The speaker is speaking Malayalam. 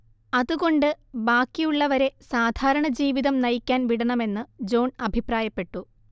അതുകൊണ്ട് ബാക്കിയുള്ളവരെ സാധാരണജീവിതം നയിക്കാൻ വിടണമെന്ന് ജോൺ അഭിപ്രായപ്പെട്ടു